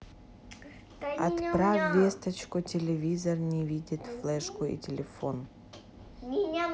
отправь весточку телевизор не видит флешку и телефон